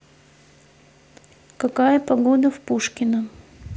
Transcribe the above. какая погода в пушкино